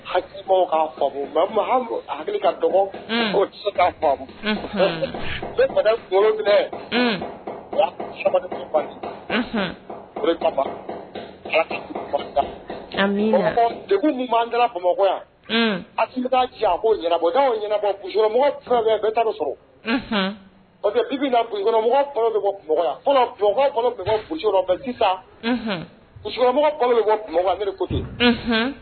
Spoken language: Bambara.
Bamakɔ sɔrɔ i